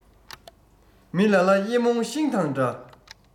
མི ལ ལ དབྱི མོང ཤིང དང འདྲ